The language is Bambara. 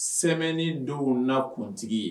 Semaine denw na kuntigi ye